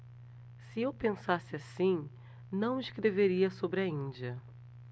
se eu pensasse assim não escreveria sobre a índia